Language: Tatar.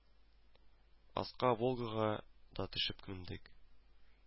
Аска Волгага да төшеп мендек